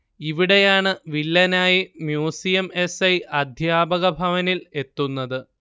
ഇവിടെയാണ് വില്ലനായി museum S. I അദ്ധ്യാപകഭവനിൽ എത്തുന്നത്